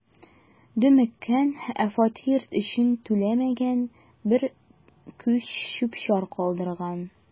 „дөмеккән, ә фатир өчен түләмәгән, бер күч чүп-чар калдырган“.